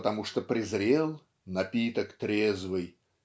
потому что презрел "напиток трезвый